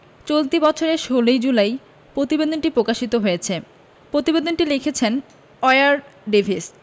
চলতি বছরের ১৬ জুলাই প্রতিবেদনটি প্রকাশিত হয়েছে প্রতিবেদনটি লিখেছেন ওয়্যার ডেভিস